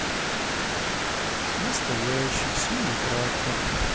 настоящий синий трактор